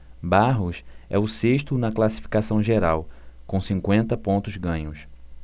barros é o sexto na classificação geral com cinquenta pontos ganhos